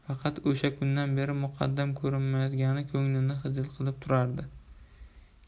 faqat o'sha kundan beri muqaddam ko'rinmayotgani ko'nglini xijil qilib turardi